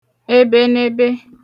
ebenebe